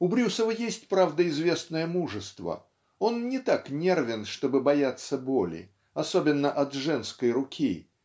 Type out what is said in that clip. У Брюсова есть, правда, известное мужество он не так нервен чтобы бояться боли -- особенно от женской руки